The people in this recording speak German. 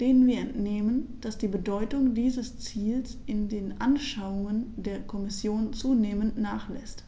denen wir entnehmen, dass die Bedeutung dieses Ziels in den Anschauungen der Kommission zunehmend nachlässt.